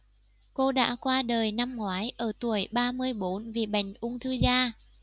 cô đã qua đời năm ngoái ở tuổi ba mươi bốn vì bệnh ung thư da